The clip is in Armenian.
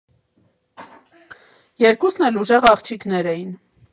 Երկուսն էլ ուժեղ աղջիկներ էին։